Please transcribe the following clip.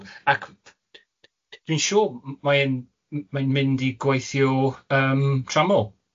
Ac d- d- d- d- dwi'n siŵr m- m- mae e'n m- mae'n mynd i gweithio yym tramor.